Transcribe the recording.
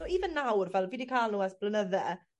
So even nawr fel fi 'di ca'l n'w ers blynydde